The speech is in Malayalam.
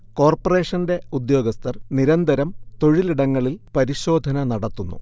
കോർപറേഷന്റെ ഉദ്യോഗസ്ഥർ നിരന്തരം തൊഴിലിടങ്ങളിൽ പരിശോധന നടത്തുന്നു